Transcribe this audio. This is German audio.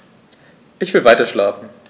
Ich will weiterschlafen.